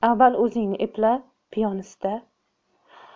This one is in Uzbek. avval o'zingni epla piyonista